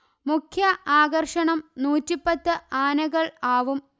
മുഖ്യ ആകർഷണം നൂറ്റിപത്ത് ആനകൾ ആവും